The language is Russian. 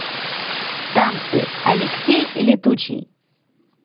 танцы алексей летучий